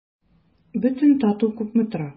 Бөтен тату күпме тора?